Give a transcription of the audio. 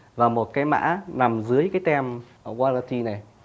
và một cái mã nằm dưới cái tem qua li ti này